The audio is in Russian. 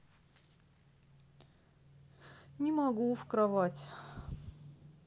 не могу в кровать